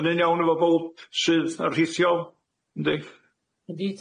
Hynny'n iawn efo bowb sydd yn rhithiol yndi?